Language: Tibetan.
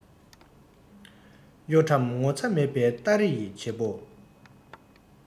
གཡོ ཁྲམ ངོ ཚ མེད པའི སྟ རེ ཡི བྱེད པོ